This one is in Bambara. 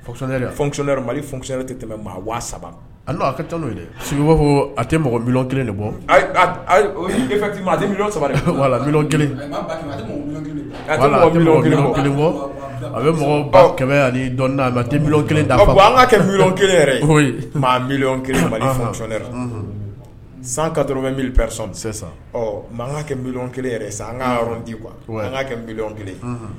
Tɛ tɛmɛ maa waa saba tan n'o b'a fɔ a tɛ mɔgɔ mi kelen de bɔ mi saba kelen kelen bɔ a bɛ mɔgɔ kɛmɛ ani dɔn mi an kɛ mi kelen mi san kato bɛ miɛ sisan sisan ɔ kɛ mi kelen kaɔrɔn kuwa an mi kelen